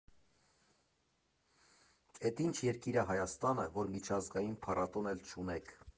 Էդ ի՞նչ երկիր ա Հայաստանը, որ միջազգային փառատոն էլ չունեք։